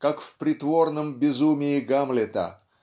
Как в притворном безумии Гамлета